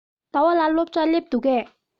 ཟླ བ ལགས སློབ གྲྭར སླེབས འདུག གས